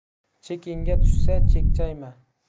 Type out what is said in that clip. chekingga tushsa chekchayma